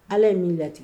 Ala ye min latigɛ